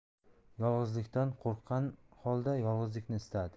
yolg'izlikdan qo'rqqani holda yolg'izlikni istadi